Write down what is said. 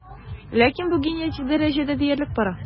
Ләкин бу генетик дәрәҗәдә диярлек бара.